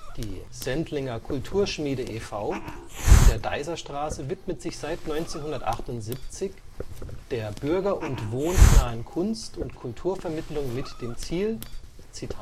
Die Sendlinger Kulturschmiede e. V. in der Daiserstraße widmet sich seit 1978 der bürger - und wohnnahen Kunst - und Kulturvermittlung mit dem Ziel, …